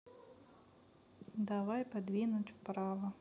давай подвинуть вправо